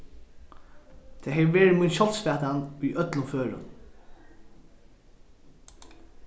tað hevur verið mín sjálvsfatan í øllum førum